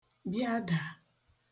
bịadà